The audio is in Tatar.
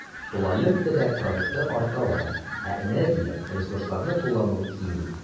Тулаем төбәк продукты арта бара, ә энергия, ресурсларны куллану кими.